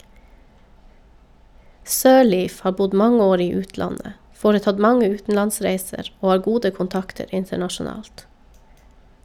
Sirleaf har bodd mange år i utlandet, foretatt mange utenlandsreiser og har gode kontakter internasjonalt.